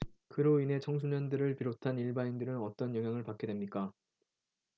그로 인해 청소년들을 비롯한 일반인들은 어떤 영향을 받게 됩니까